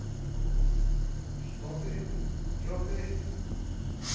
что ты че ты